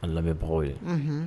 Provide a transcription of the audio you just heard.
An lamɛnbagaw ye, unhun.